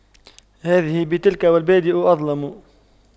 هذه بتلك والبادئ أظلم